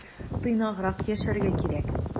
Тыйнаграк яшәргә кирәк.